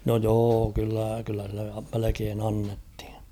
no joo kyllä kyllä sille melkein annettiin